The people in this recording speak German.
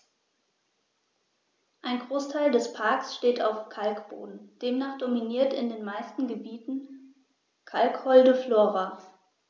Ein Großteil des Parks steht auf Kalkboden, demnach dominiert in den meisten Gebieten kalkholde Flora.